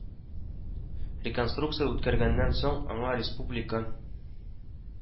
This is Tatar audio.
Реконструкция үткәргәннән соң аңа республика